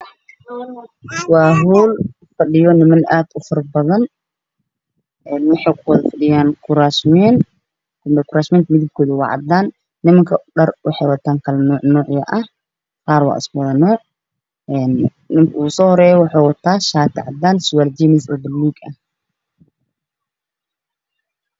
Waa hool waxaa fadhiyo niman aad u faro badan waxay kufadhiyaan kuraasman cadaan ah nimanku waxay wataan dhar kale nuuc ah, qaarna waa isku nuuc, ninka ugu soo horeeyo waxuu wataa shaati cadaan iyo surwaal jeemis oo buluug ah.